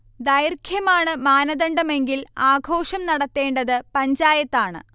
ദൈർഘ്യമാണ് മാനദണ്ഡമെങ്കിൽ ആഘോഷം നടത്തേണ്ടത് പഞ്ചായത്താണ്